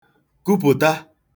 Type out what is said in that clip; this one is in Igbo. kupụ̀ta